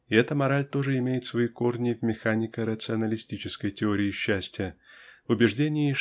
и эта мораль тоже имеет свои корни в механико-рационалистической теории счастья в убеждении